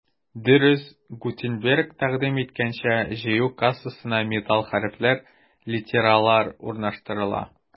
Дөрес, Гутенберг тәкъдим иткәнчә, җыю кассасына металл хәрефләр — литералар урнаштырыла.